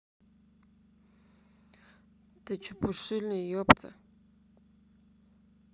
ты чепушильный епта